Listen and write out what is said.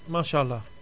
maasàllaa